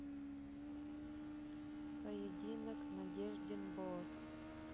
поединок надеждин боос